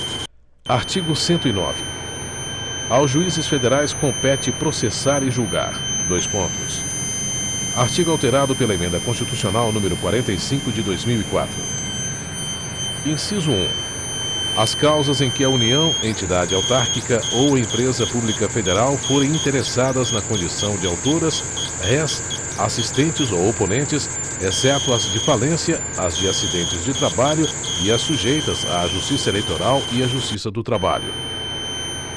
artigo cento e nove aos juízes federais compete processar e julgar dois pontos artigo alterado pela emenda constitucional número quarenta e cinco de dois mil e quatro inciso um as causas em que a união entidade autárquica ou empresa pública federal forem interessadas na condição de autoras rés assistentes ou oponentes exceto as de falência as de acidentes de trabalho e as sujeitas à justiça eleitoral e à justiça do trabalho